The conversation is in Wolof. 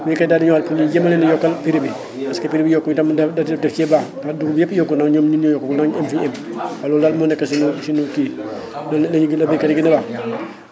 baykat yi daal di ñëwaat pour ñu jéem leen a yokkal prix bi parce que prix bi itam da cee baax àdduna bi yëpp yokku na ñun ñun ñoo yokkagul nañ * alors loolu moo nekk a suñu suñu kii loolu nag la ñu gën a baykat yi gën a wax